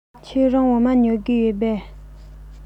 ཁྱེད རང འོ མ ཉོ གི ཡོད པས